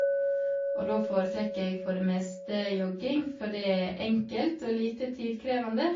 Og da foretrekker jeg for det meste jogging, for det er enkelt og lite tidkrevende.